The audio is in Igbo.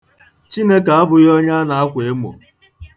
Chineke abụghị onye a na-akwa emo.